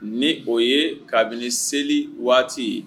Ni o ye kabini seli waati ye